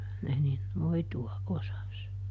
kyllä ne niin noitua osasi